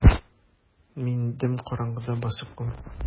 Мин дөм караңгыда басып калдым.